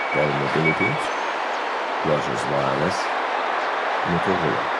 Bell Mobility Rogers Wireless Motorola